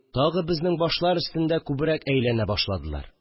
Тагы безнең башлар өстендә күбрәк әйләнә башладылар